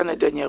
voilà